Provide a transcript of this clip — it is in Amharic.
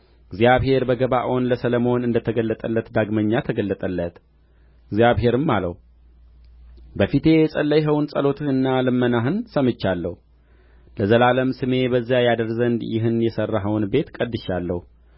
እግዚአብሔር በገባዖን ለሰሎሞን እንደ ተገለጠለት ዳግመኛ ተገለጠለት እግዚአብሔርም አለው በፊቴ የጸለይኸውን ጸሎትህንና ልመናህን ሰምቻለሁ ለዘላለምም ስሜ በዚያ ያድር ዘንድ ይህን የሠራኸውን ቤት ቀድሻለሁ